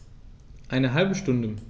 Eine halbe Stunde